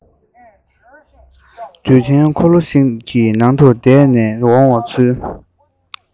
འདུད འཐེན འཁོར ལོ ཞིག གི ནང དུ བསྡད ནས འོང བའི ཚུལ